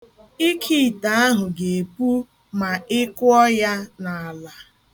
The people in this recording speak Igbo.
Ike ite ahụ ga-epu ma ị kụọ ya n'ala.